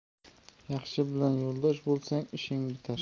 yaxshi bilan yo'ldosh bo'lsang ishing bitar